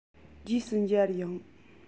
རྗེས སུ མཇལ ཡོང